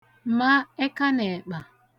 ma ẹkan'ẹ̀kpà